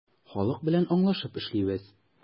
Халык белән аңлашып эшлибез.